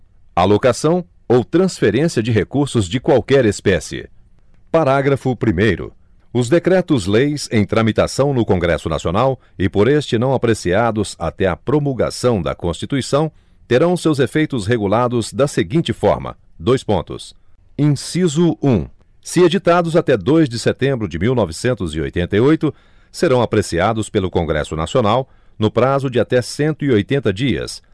alocação ou transferência de recursos de qualquer espécie parágrafo primeiro os decretos leis em tramitação no congresso nacional e por este não apreciados até a promulgação da constituição terão seus efeitos regulados da seguinte forma dois pontos inciso um se editados até dois de setembro de mil novecentos e oitenta e oito serão apreciados pelo congresso nacional no prazo de até cento e oitenta dias